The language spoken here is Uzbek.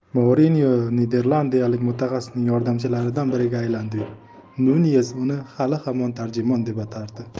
mourinyo niderlandiyalik mutaxassisning yordamchilaridan biriga aylandi nunyes uni hali hamon tarjimon deb atardi